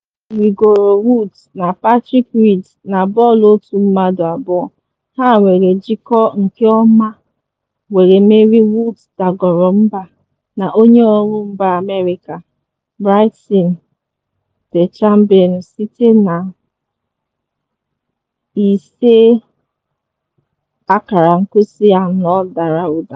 Ebe ha merigoro Woods na Patrick Reed na bọọlụ otu mmadụ abụọ, ha were jikọọ nke ọma were merie Woods dagoro mba na onye ọhụrụ mba America, Bryson Dechambeau site na 5&4 dara ụda.